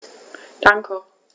Danke.